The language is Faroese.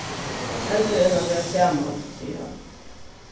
heldur enn at vera saman sigur hann